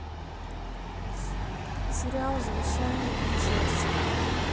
сериал завещание принцессы